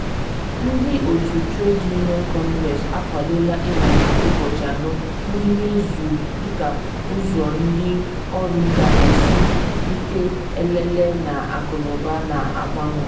Ndị otu Trades Union Congress akwadola ịmalite ụbọchị anọ n’ime izu dịka ụzọ ndị ọrụ ga-esi rite elele na akụnụba na-agbanwe.